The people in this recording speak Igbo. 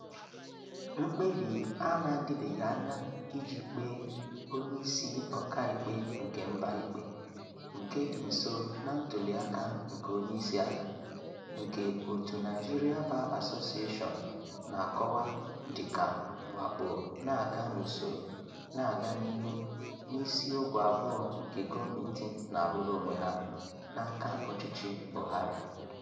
Mkpebi a na-adịbeghị anya iji kpee Onyeisi Ọkaikpe nke Mba ikpe — nke dị nso na ntụliaka nke onyeisi ala — nke òtù Nigerian Bar Association na-akọwa dịka "mwakpo na-aga n'usoro na-aga n'ihu n'isi ogwe abụọ nke gọọmentị na-arụụrụ onwe ha" n'aka ọchịchị Buhari.